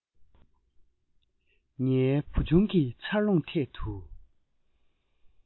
ངའི བུ ཆུང གི འཚར ལོངས ཐད དུ